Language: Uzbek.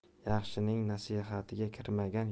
yaxshining nasihatiga kirmagan